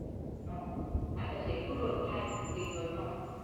Àwọn èèyàn kan ń gbé ní ẹ̀bá-ọ̀nà náà, a ṣẹ̀ṣẹ̀ kúrò ní àwọn àyè ìpéjọ náà ni.